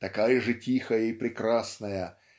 такая же тихая и прекрасная